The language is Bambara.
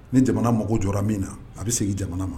Ni jamana mɔgɔ jɔra min na a bɛ segin jamana ma.